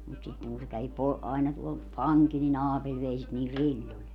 mutta sitten kun se kävi - aina tuolla pankilla niin Aapeli vei sitä niillä rilloilla